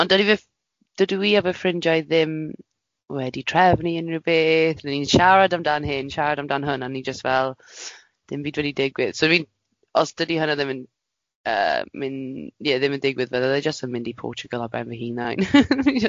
Ond dydi fe ff- dydw i a fy ffrindiau ddim wedi trefnu unrhyw beth. Dan ni'n siarad amdan hyn, siarad amdan hwn, a ni jyst fel dim byd wedi digwydd. So fi'n, os dydi hwnna ddim yn yy mynd ie ddim yn digwydd fel ydde jyst yn mynd i Portugal ar ben fy hunain.